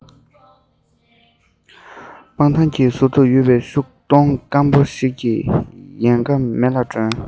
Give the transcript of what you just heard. སྤང ཐང གི ཟུར དུ ཡོད པའི ཤུག སྡོང སྐམ པོ ཞིག གི ཡལ ག མེ ལ སྒྲོན